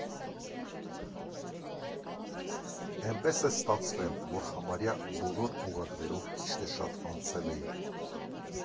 Էնպես է ստացվել, որ համարյա բոլոր օղակներով քիչ թե շատ անցել էի։